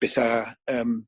betha yym